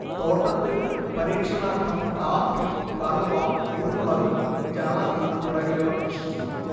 തോട്ടത്തിൽ പരീക്ഷണാർത്ഥം കാപ്പി കറുവ കുരുമുളക് ജാതി തുടങ്ങിയവ കൃഷി ചെയ്തു